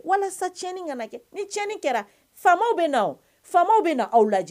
Walasa tiɲɛni nana kɛ ni tii kɛra faamaw bɛ aw fa bɛ n' aw lajɛ